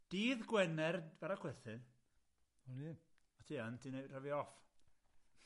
Dydd Gwener pa'd â chwerthin. O'n i 'im. Ti yn ti neu' rhoi fi off.